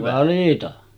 valita